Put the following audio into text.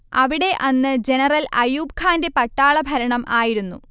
അവിടെ അന്ന് ജനറൽ അയൂബ്ഖാന്റെ പട്ടാളഭരണം ആയിരുന്നു